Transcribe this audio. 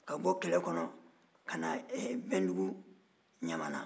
ka bɔ kɛlɛ kɔnɔ ka na bɛndugu ɲamana